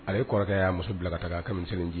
A ye kɔrɔkɛ y'a muso bila ka' kamisɛji